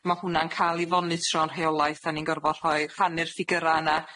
Ma' hwn'na'n ca'l 'i fonitro'n rheolaidd. 'Dan ni'n gorfod rhoi'r- rhannu'r ffigyra yna